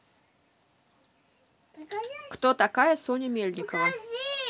кто такая соня мельникова